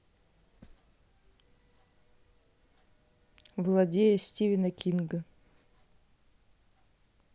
владея стивена кинга